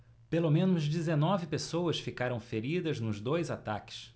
pelo menos dezenove pessoas ficaram feridas nos dois ataques